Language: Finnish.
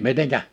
miten